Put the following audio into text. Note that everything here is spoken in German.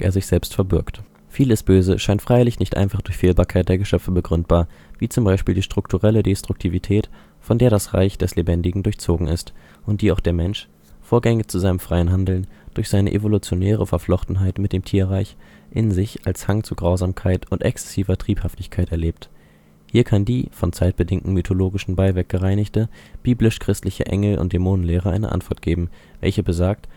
sich selbst verbürgt. Vieles Böse scheint freilich nicht einfach durch Fehlbarkeit der Geschöpfe begründbar, wie z.B. die strukturelle Destruktivität, von der das Reich des Lebendigen durchzogen ist und die auch der Mensch - vorgängig zu seinem freien Handeln - durch seine evolutionäre Verflochtenheit mit dem Tierreich in sich als Hang zu Grausamkeit und exzessiver Triebhaftigkeit erlebt. Hier kann die von zeitbedingtem mythologischen Beiwerk gereinigte biblisch-christliche Engel - und Dämonenlehre eine Antwort geben, welche besagt